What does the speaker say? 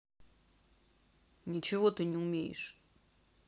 ничего ты не умеешь